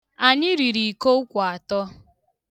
Anyị riri iko ụkwa atọ.